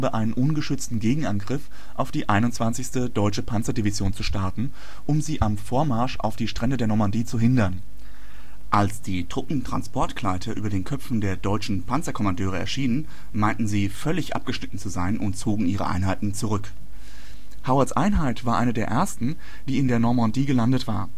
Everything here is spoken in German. einen ungeschützten Gegenangriff auf die 21. Deutsche Panzerdivision zu starten, um sie am Vormarsch auf die Strände der Normandie zu hindern. Als die Truppentransportgleiter über den Köpfen der deutschen Panzerkommandeure erschienen, meinten sie völlig abgeschnitten zu sein und zogen ihre Einheiten zurück. Howards Einheit war eine der ersten, die in der Normandie gelandet war